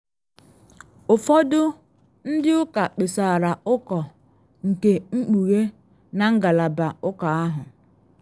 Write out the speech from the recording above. Ụfọdụ ndị ụka kpesara ụkọ nke mkpughe na ngalaba ụka ahụ.